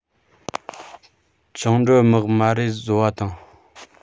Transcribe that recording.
བཅིངས འགྲོལ དམག མ རེད བཟོ བ རེད